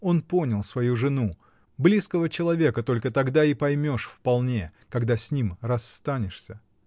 он понял свою жену, -- близкого человека только тогда и поймешь вполне, когда с ним расстанешься.